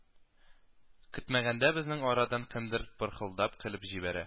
Көтмәгәндә безнең арадан кемдер пырхылдап көлеп җибәрә